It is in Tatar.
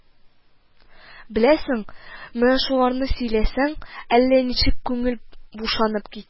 Беләсең, менә шуларны сөйләсәң, әллә ничек күңел бушанып китә